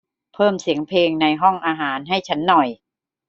เพิ่มเสียงเพลงในห้องอาหารให้ฉันหน่อย